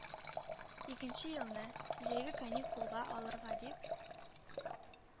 Икенче елны, җәйге каникулга алырга дип,